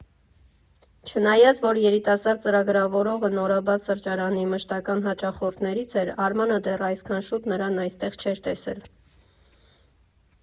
Չնայած, որ երիտասարդ ծրագրավորողը նորաբաց սրճարանի մշտական հաճախորդներից էր, Արմանը դեռ այսքան շուտ նրան այստեղ չէր տեսել։